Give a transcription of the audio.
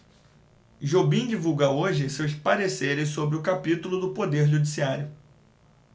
jobim divulga hoje seus pareceres sobre o capítulo do poder judiciário